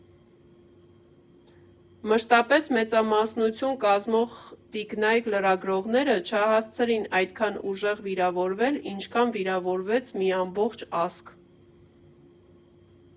Մշտապես մեծամասնություն կազմող տիկնայք լրագրողները չհասցրին այդքան ուժեղ վիրավորվել, ինչքան վիրավորվեց մի ամբողջ ազգ.